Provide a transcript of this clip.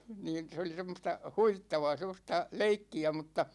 niin se oli semmoista huvittavaa semmoista leikkiä mutta